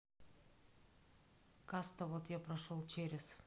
каста вот я и прошел через